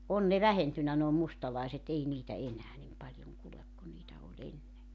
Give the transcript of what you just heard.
on ne vähentynyt nuo mustalaiset ei niitä enää niin paljon kulje kuin niitä oli ennen